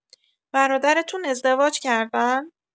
برادرتون ازدواج کردن؟